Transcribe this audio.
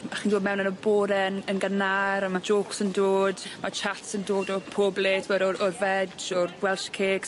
A chi'n dod mewn yn y bore'n yn gynnar a ma' jokes yn dod ma' chats yn dod o pob le t'wod o'r o'r veg o'r Welsh cakes.